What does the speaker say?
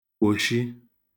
kwòshi